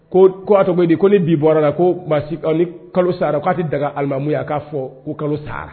Ko ko a todi ko ne di bɔra la ko ma ni kalo sara k'a tɛ daga alimamu a k'a fɔ kalo sara